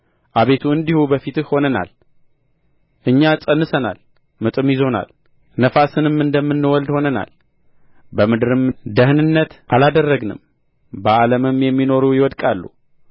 አቤቱ እንዲሁ በፊትህ ሆነናል እኛ ፀንሰናል ምጥም ይዞናል ነፋስንም እንደምንወልድ ሆነናል በምድርም ደኅንነት አላደረግነም በዓለምም የሚኖሩ ይወድቃሉ